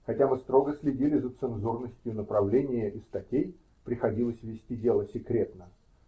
Хотя мы строго следили за цензурностью направления и статей, приходилось вести дело секретно.